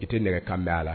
I tɛ nɛgɛkan mɛn a la.